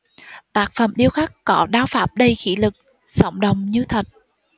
tác phẩm điêu khắc có đao pháp đầy khí lực sống động như thật